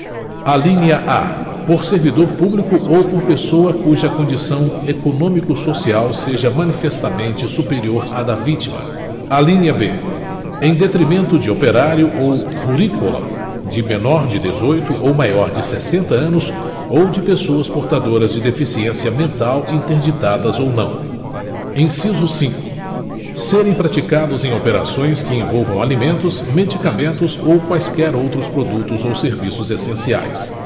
alinha a por servidor público ou por pessoa cuja condição econômico social seja manifestamente superior à da vítima alinha b em detrimento de operário ou rurícola de menor de dezoito ou maior de sessenta anos ou de pessoas portadoras de deficiência mental interditadas ou não inciso cinco serem praticados em operações que envolvam alimentos medicamentos ou quaisquer outros produtos ou serviços essenciais